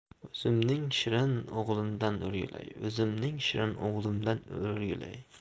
o'zimning shirin o'g'limdan o'rgilay